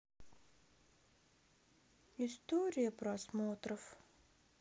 история просмотров